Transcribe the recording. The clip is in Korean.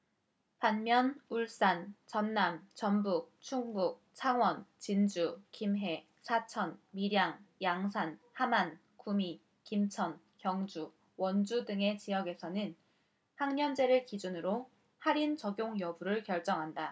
반면 울산 전남 전북 충북 창원 진주 김해 사천 밀양 양산 함안 구미 김천 경주 원주 등의 지역에서는 학년제를 기준으로 할인 적용 여부를 결정한다